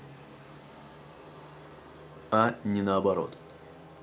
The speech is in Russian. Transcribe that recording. а не наоборот